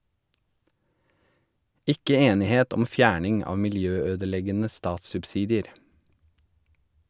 Ikke enighet om fjerning av miljø-ødeleggende statssubsidier.